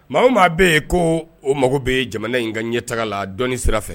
Maa o maa bɛ yen ko o mago bɛ ye jamana in ka n ɲɛ taga la dɔni sira fɛ